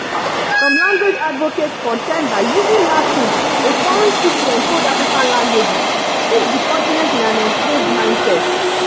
Some language advocates contend that using Latin, a foreign script, to encode African languages, keeps the continent in an enslaved mindset.